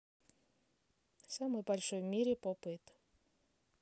самый большой в мире pop it